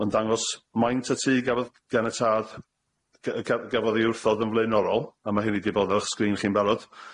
Ma'n dangos maint y tŷ gafodd ganiatâd gy- yy gaf- gafodd 'i wrthod yn flaenorol, a ma' 'heini 'di bod ar 'ych sgrin chi'n barod,